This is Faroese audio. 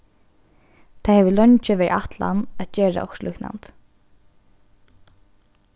tað hevur leingi verið ætlan at gera okkurt líknandi